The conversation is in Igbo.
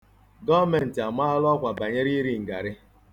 Goomentị amaala ọkwa banyere iri ngarị